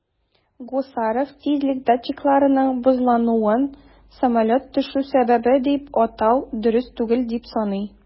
Гусаров тизлек датчикларының бозлануын самолет төшү сәбәбе дип атау дөрес түгел дип саный.